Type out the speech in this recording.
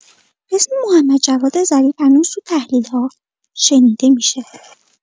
اسم محمدجواد ظریف هنوز تو تحلیل‌ها شنیده می‌شه.